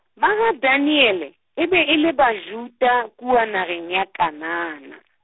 ba gaDaniele, e be e le Bajuda kua nageng ya Kanana.